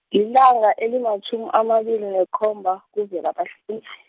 yilanga elimatjhumi amabili nekhomba, kuVelabahlinze.